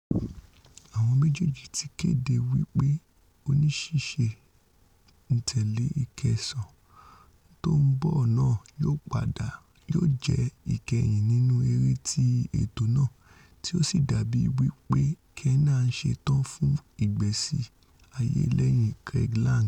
Àwọn méjèèjì ti kédé wí pé oníṣíṣẹ̀-n-tẹ̀lé ìkẹẹ̀sán tó ńbọ náà yóò jẹ́ ìkẹyìn nínú eré ti ètò náà, tí o sì dàbí wí pé Kiernan ńṣètò fún ìgbésí-ayé lẹ́yìn Craiglang.